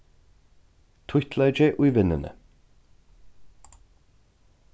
títtleiki í vinnuni